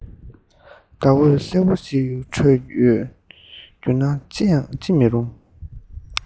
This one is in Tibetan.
ཟླ འོད གསལ བོ ཞིག འཕྲོས ཡོད རྒྱུ ན ཅི མ རུང